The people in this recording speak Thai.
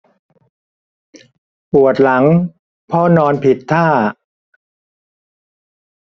ปวดหลังเพราะนอนผิดท่า